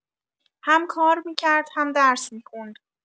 هم کار می‌کرد هم درس می‌خوند.